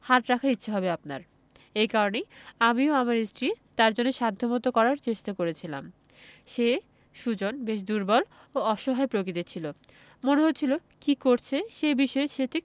হাত রাখার ইচ্ছা হবে আপনার এ কারণেই আমি ও আমার স্ত্রী তাঁর জন্য সাধ্যমতো করার চেষ্টা করেছিলাম সে সুজন বেশ দুর্বল ও অসহায় প্রকৃতির ছিল মনে হচ্ছিল কী করছে সেই বিষয়ে সে ঠিক